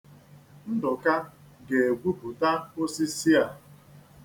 Ndụka ga-egwupụta osisi a.